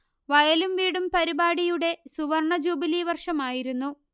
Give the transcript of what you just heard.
വയലും വീടും പരിപാടിയുടെ സുവർണ്ണ ജൂബിലി വർഷമായിരുന്നു